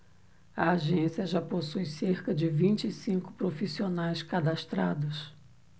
a agência já possui cerca de vinte e cinco profissionais cadastrados